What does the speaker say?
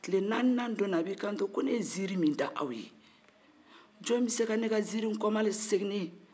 kile naani don de a b'i kan to ko ne ziiri min da aw ye jɔ bɛ se ka ne ka ziiri kɔmasegi ne ye